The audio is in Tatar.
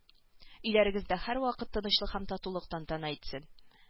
Өйләрегездә һәрвакыт тынычлык һәм татулык тантана итсен